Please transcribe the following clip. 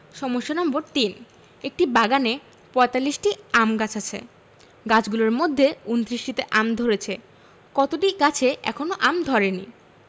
সমস্যা নম্বর ৩ একটি বাগানে ৪৫টি আম গাছ আছে গাছগুলোর মধ্যে ২৯টিতে আম ধরেছে কতটি গাছে এখনও আম ধরেনি